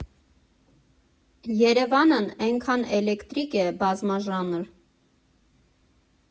Երևանն էնքա՜ն էկլեկտիկ է, բազմաժանր։